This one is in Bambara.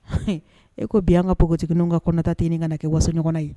Hali e ko bi an ka ptigiig ka kɔnɔta tenini ka kɛ wasoɲɔgɔn ye